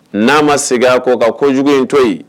N'a ma segin a ko ka ko jugu in to yen